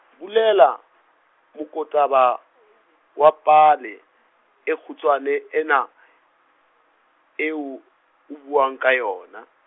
bolela, mokotaba , wa pale, e kgutshwane, ena , eo o buang ka yona.